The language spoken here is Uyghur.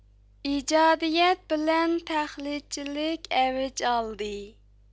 ئىجادىيەت بىلەن تەقلىدچىلىك ئەۋج ئالدى